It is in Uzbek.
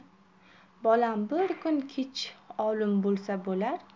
bolam bir kun kech olim bo'lsa bo'lar